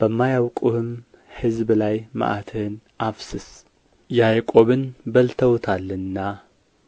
በማያውቁህም አሕዛብ ላይ መዓትህን አፍስስ ያዕቆብን በልተውታልና